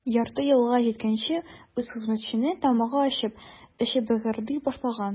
Ярты юлга җиткәнче үк хезмәтченең тамагы ачып, эче быгырдый башлаган.